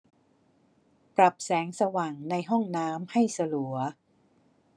ปรับแสงสว่างในห้องน้ำให้สลัว